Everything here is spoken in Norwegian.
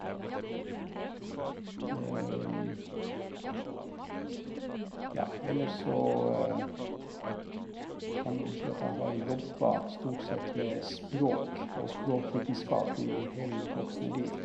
Ja, ellers så kan vi vel si at jeg har jobba stort sett med språk og språkvitenskap i hele mitt voksne liv.